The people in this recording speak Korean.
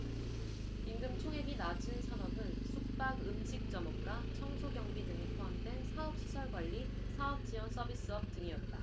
임금총액이 낮은 산업은 숙박 음식점업과 청소 경비 등이 포함된 사업시설관리 사업지원서비스업 등이었다